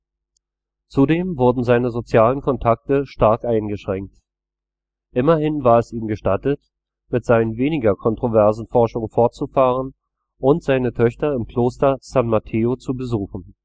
Zudem wurden seine sozialen Kontakte stark eingeschränkt. Immerhin war es ihm gestattet, mit seinen weniger kontroversen Forschungen fortzufahren und seine Töchter im Kloster San Matteo zu besuchen